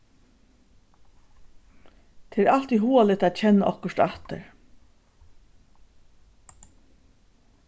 tað er altíð hugaligt at kenna okkurt aftur